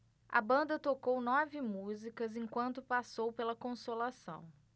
a banda tocou nove músicas enquanto passou pela consolação